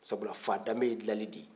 sabula fadanbe ye dilali de ye